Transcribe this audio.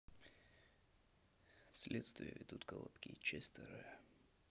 следствие ведут колобки часть вторая